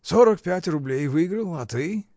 — Сорок пять рублей выиграл: а ты?